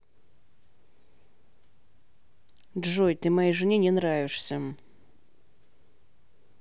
джой ты моей жене не нравишься